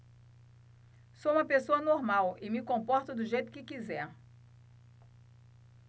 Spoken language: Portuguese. sou homossexual e me comporto do jeito que quiser